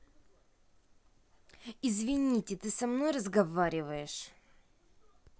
извините ты со мной разговариваешь